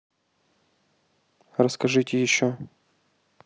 расскажите еще